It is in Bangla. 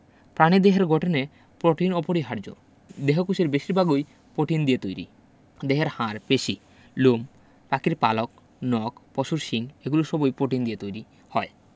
প্রাণীদেহের গঠনে প্রোটিন অপরিহার্য দেহকোষের বেশির ভাগই প্রোটিন দিয়ে তৈরি দেহের হাড় পেশি লোম পাখির পালক নখ পশুর শিং এগুলো সবই প্রোটিন দিয়ে তৈরি হয়